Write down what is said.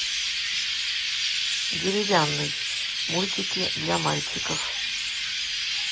деревянный мультики для мальчиков